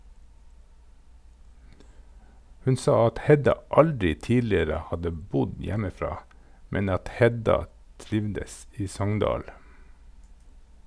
Hun sa at Hedda aldri tidligere hadde bodd hjemmefra, men at Hedda trivdes i Sogndal.